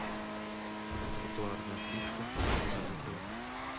тротуарная плитка старый город